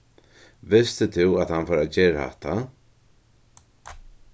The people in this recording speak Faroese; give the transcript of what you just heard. visti tú at hann fór at gera hatta